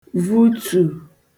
vutù